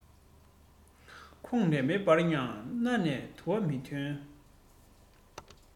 ཁོག ནས མེ འབར ཡང སྣ ནས དུ བ མི ཐོན